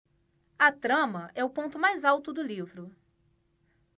a trama é o ponto mais alto do livro